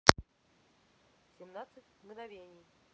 семнадцать мгновений